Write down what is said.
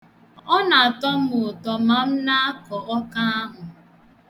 Ọ na-atọ m ụtọ ma m na akọ ọkọ ahụ.